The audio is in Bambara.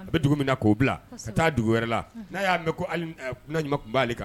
A bɛ dugu min na k'o bila ka taa dugu wɛrɛ la n'a y'a mɛn ɲuman b'ale kan